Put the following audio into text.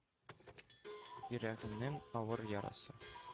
Йөрәгенең авыр ярасы.